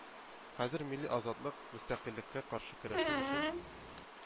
Хәзер милли азатлык, мөстәкыйльлеккә каршы көрәшү өчен